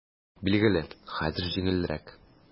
Билгеле, хәзер җиңелрәк.